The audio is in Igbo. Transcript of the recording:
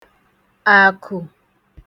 àkụ̀